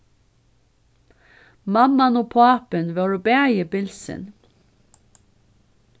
mamman og pápin vóru bæði bilsin